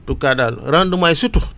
en tout cas daal rendement yi surtout